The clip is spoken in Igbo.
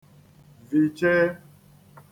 viche